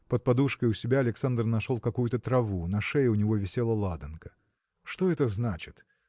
Под подушкой у себя Александр нашел какую-то траву на шее у него висела ладанка. – Что это значит?